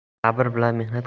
sabr bilan mehnat